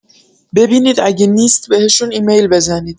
ببینید اگه نیست بهشون ایمیل بزنید